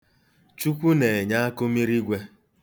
Chukwu na-enye akụmirigwe.